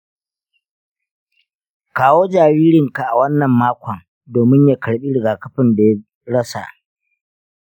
kawo jaririnka a wannan makon domin ya karɓi rigakafin da ya rasa.